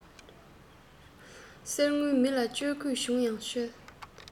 གསེར དངུལ མི ལ བཅོལ དགོས བྱུང ཡང ཆོལ